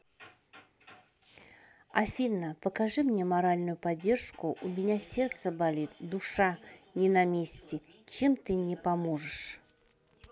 афина покажи мне моральную поддержку у меня сердце болит душа не на месте чем ты не поможешь